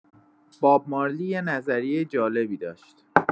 باب مارلی یه نظریۀ جالبی داشت.